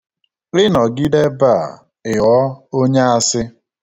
I nọgide ebe ị ghọọ onye asị